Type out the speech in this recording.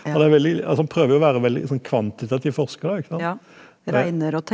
han er veldig altså han prøver jo å være veldig sånn kvantitativ forsker ikke sant og det.